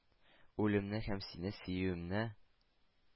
Илемне һәм сине сөюемне